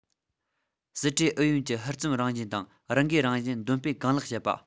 སྲིད གྲོས ཨུ ཡོན གྱི ཧུར བརྩོན རང བཞིན དང རང འགུལ རང བཞིན འདོན སྤེལ གང ལེགས བྱེད པ